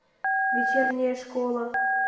вечерняя школа